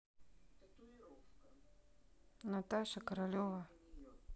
наташа королева